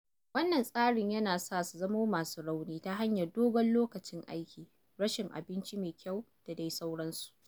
Wannan tsari yana sa su zama masu rauni ta hanyar dogon lokacin aiki, rashin abinci me kyau, da dai sauransu.